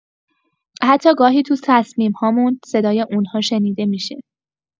حتی گاهی تو تصمیم‌هامون، صدای اون‌ها شنیده می‌شه.